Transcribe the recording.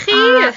A chi!